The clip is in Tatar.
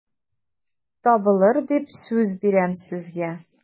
Табылыр дип сүз бирәм сезгә...